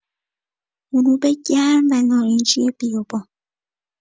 غروب گرم و نارنجی بیابان